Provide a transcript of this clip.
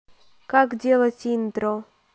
как делать интро